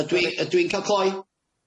Ydw i ydw i'n cal cloi?